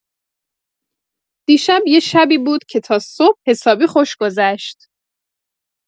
دیشب یه شبی بود که تا صبح حسابی خوش گذشت.